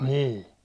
niin